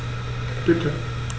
Bitte.